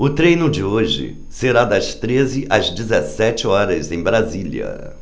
o treino de hoje será das treze às dezessete horas em brasília